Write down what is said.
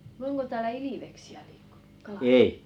onko täällä ilveksiä liikkunut Kalajoella